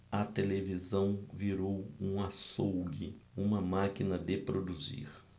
a televisão virou um açougue uma máquina de produzir